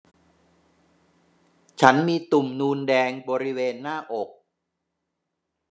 ฉันมีตุ่มนูนแดงบริเวณหน้าอก